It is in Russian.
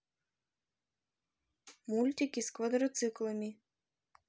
мультики с квадроциклами